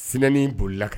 Filɛni in bolila kan